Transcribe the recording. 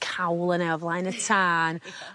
cawl yne o flaen y tân.